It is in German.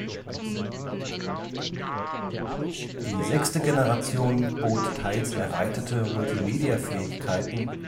Die sechste Generation bot teils erweiterte Multimediafähigkeiten